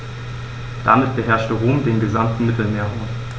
Damit beherrschte Rom den gesamten Mittelmeerraum.